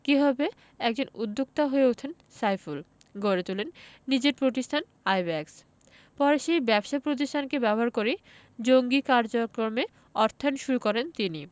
কীভাবে একজন উদ্যোক্তা হয়ে ওঠেন সাইফুল গড়ে তোলেন নিজের প্রতিষ্ঠান আইব্যাকস পরে সেই ব্যবসা প্রতিষ্ঠানকে ব্যবহার করেই জঙ্গি কার্যক্রমে অর্থায়ন শুরু করেন তিনি